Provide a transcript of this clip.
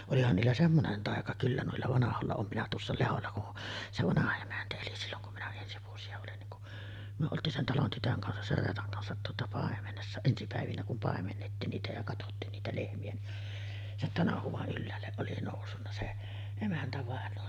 olihan niillä semmoinen taika kyllä noilla vanhoilla olen minä tuossa Lehdolla kun se vanha emäntä eli silloin kun minä ensi vuosia olin niin kun me oltiin sen talon tytön kanssa sen Reetan kanssa tuota paimenessa ensi päivinä kun paimennettiin niitä ja katsottiin niitä lehmiä niin sen tanhuan ylhäälle oli noussut se emäntävainaja